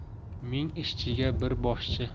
ming ishchiga bir boshchi